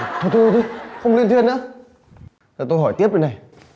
thôi thôi thôi không luyên thuyên nữa mà tôi hỏi tiếp đây này